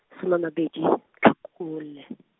soma a mabedi, Tlhakole .